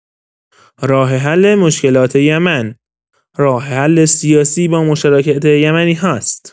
راه‌حل مشکلات یمن، راه‌حل سیاسی با مشارکت یمنی هاست.